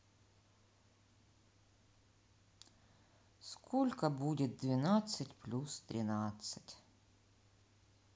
сколько будет двенадцать плюс тринадцать